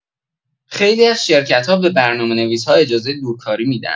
خیلی از شرکت‌ها به برنامه‌نویس‌ها اجازه دورکاری می‌دن.